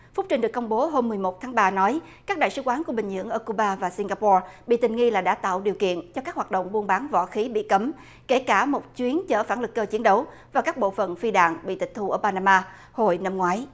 phúc trình được công bố hôm mười một tháng ba nói các đại sứ quán của bình nhưỡng ở cu ba và sing ga po bị tình nghi là đã tạo điều kiện cho các hoạt động buôn bán võ khí bị cấm kể cả một chuyến chở phản lực cơ chiến đấu và các bộ phận phi đạn bị tịch thu ở ba na ma hồi năm ngoái